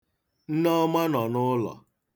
Nneọma nọ n'ụlọ.